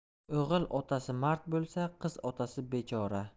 o'g'il otasi mard bo'lsa qiz otasi bechora